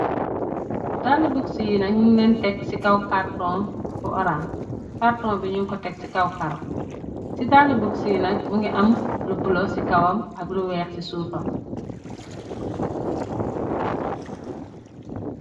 Dalluh buks yina nak nyung leen tek ci kaw cartron bu orange. Cartron bi ñu ko tek ci kaw karo ci dalluh buks yi mungi am lu bulah ci kawam ak lu weex ci suufam.